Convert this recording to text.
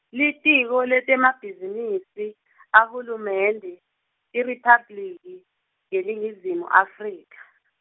Litiko leTemabhizinisi , ahulumende, IRiphabliki, yeNingizimu Afrika.